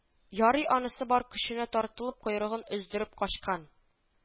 Ярый анысы бар көченә тартылып койрыгын өздереп качкан